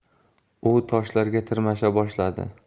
u toshlarga tirmasha boshladi